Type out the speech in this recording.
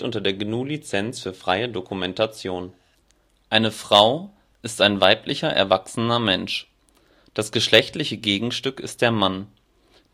unter der GNU Lizenz für freie Dokumentation. Junge Frau Eine Frau (von althochdeutsch frouwa: hohe Frau, Herrin) ist ein weiblicher, erwachsener Mensch. Das geschlechtliche Gegenstück ist der Mann.